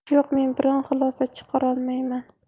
yo'q men biror xulosa chiqarolmayman